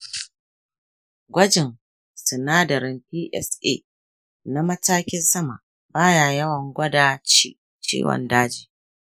gwajin sinadarin psa na matakin sama baya yawan gwada ciwon daji.